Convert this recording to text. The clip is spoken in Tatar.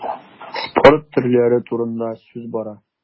Спорт төрләре турында сүз бара.